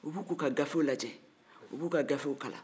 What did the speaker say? u b'u ka gafew kalan